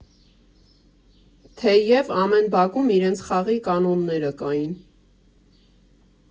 Թեև ամեն բակում իրենց խաղի կանոնները կային։